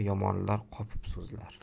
yomonlar qopib so'zlar